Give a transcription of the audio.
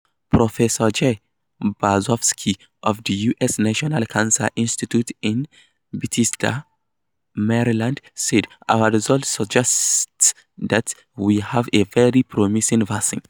Professor Jay Berzofsky, of the US National Cancer Institute in Bethesda, Maryland, said: "Our results suggest that we have a very promising vaccine."